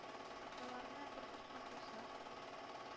Аталарына бер-бер хәл булса,